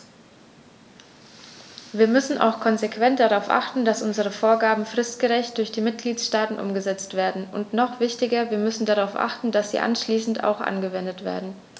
Wir müssen auch konsequent darauf achten, dass unsere Vorgaben fristgerecht durch die Mitgliedstaaten umgesetzt werden, und noch wichtiger, wir müssen darauf achten, dass sie anschließend auch angewendet werden.